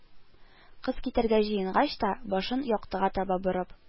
Кыз китәргә җыенгач та, башын яктыга таба борып: